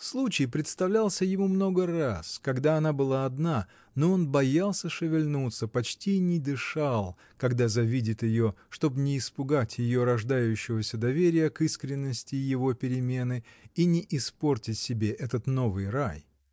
Случай представлялся ему много раз, когда она была одна: но он боялся шевельнуться, почти не дышал, когда завидит ее, чтоб не испугать ее рождающегося доверия к искренности его перемены и не испортить себе этот новый рай.